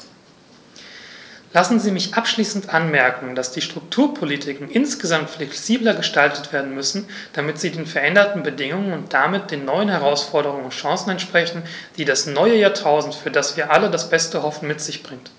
Lassen Sie mich abschließend anmerken, dass die Strukturpolitiken insgesamt flexibler gestaltet werden müssen, damit sie den veränderten Bedingungen und damit den neuen Herausforderungen und Chancen entsprechen, die das neue Jahrtausend, für das wir alle das Beste hoffen, mit sich bringt.